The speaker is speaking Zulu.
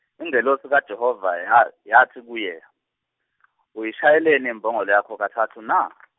ingelosi kaJehova ya- yathi kuye, Uyishayeleni imbongolo yakho kathathu na?